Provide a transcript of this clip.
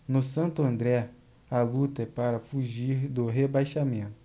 no santo andré a luta é para fugir do rebaixamento